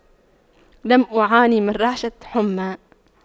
لم أعاني من رعشة حمى